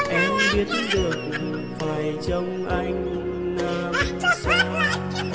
em biết được phải trông anh làm sao